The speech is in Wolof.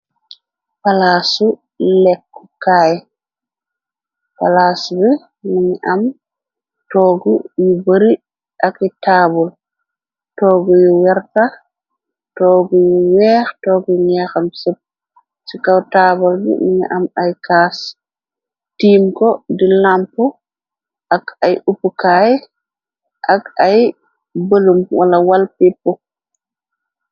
Palasu lekkukaay palaas bi minu am toogu ñu bari ak taabal toogu yu werta toogu yu weex toogi njeexam sip ci kaw taabal bi minu am ay kaas tiim ko di lamp ak ay upukaay ak ay bëlum wala wal pipp.